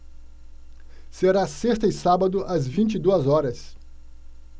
será sexta e sábado às vinte e duas horas